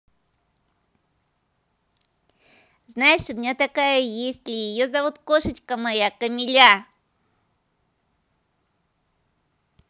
знаешь у меня такая есть ли ее зовут кошечка моя камиля